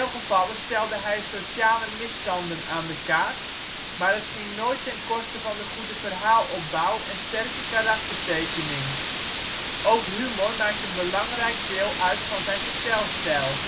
gevallen stelde hij sociale misstanden aan de kaak, maar dat ging nooit ten koste van een goede verhaalopbouw en sterke karaktertekening. Ook humor maakt een belangrijk deel uit van zijn vertelstijl